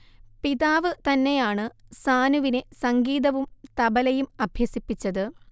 പിതാവ് തന്നെയാണ് സാനുവിനെ സംഗീതവും തബലയും അഭ്യസിപ്പിച്ചത്